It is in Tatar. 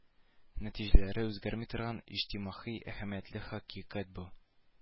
Нәтиҗәләре үзгәрми торган иҗтимагый әһәмиятле хакыйкать бу